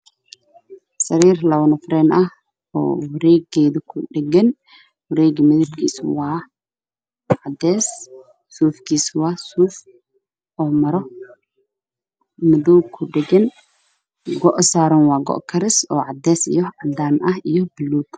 Meeshaan waxaaa taala sariir jiif ah oo midabkoodu yanhay qaxwi